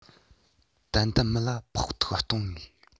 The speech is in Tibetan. ཏན ཏན མི ལ ཕོག ཐུག གཏོང ངེས